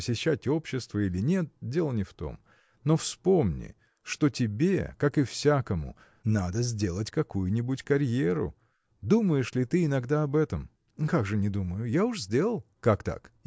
посещать общество или нет – дело не в том. Но вспомни что тебе как и всякому надо сделать какую-нибудь карьеру. Думаешь ли ты иногда об этом? – Как же не думаю: я уж сделал. – Как так?